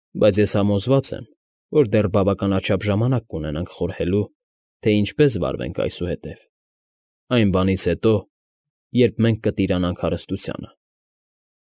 Բայց ես համոզված եմ, որ դեռ բավականաչափ ժամանակ կունենանք խորհելու, թե ինչպես վարվենք այսուհետև, այն բանից հետո, երբ մենք կտիրանանք հարստությանը։